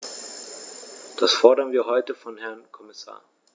Das fordern wir heute vom Herrn Kommissar.